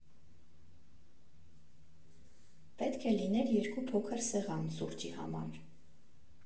Պետք է լիներ երկու փոքր սեղան՝ սուրճի համար։